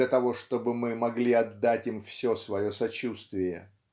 для того чтобы мы могли отдать им все свое сочувствие.